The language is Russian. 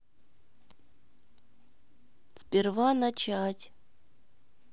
сперва начать